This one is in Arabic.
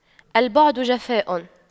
البعد جفاء